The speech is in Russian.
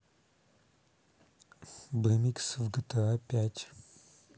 бмикс в гта пять